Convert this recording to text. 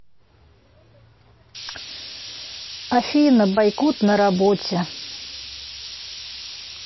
афина бойкот на работе